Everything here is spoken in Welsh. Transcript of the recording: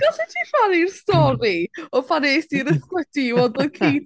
Gallet ti rhannu'r stori o pan est ti i'r ysbyty i weld tad-cu...